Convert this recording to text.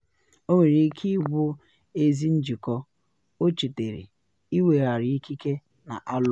“Ọ nwere ike ịbụ ezi njikọ,” ọ chetere, ịweghara ikike na Alloa.